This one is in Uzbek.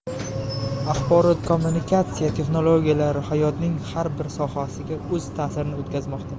axborot kommunikatsiya texnologiyalari hayotning har bir sohasiga o'z ta'sirini o'tkazmoqda